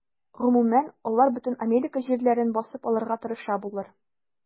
Гомумән, алар бөтен Америка җирләрен басып алырга тырыша булыр.